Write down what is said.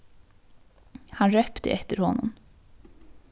hann rópti eftir honum